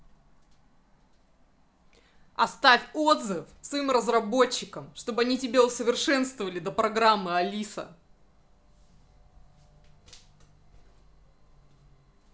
оставь отзыв своим разработчикам чтобы они тебя усовершенствовали до программы алиса